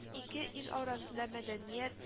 Ике ил арасында мәдәният